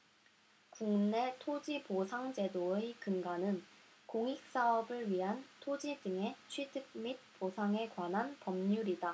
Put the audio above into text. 국내 토지보상제도의 근간은 공익사업을 위한 토지 등의 취득 및 보상에 관한 법률이다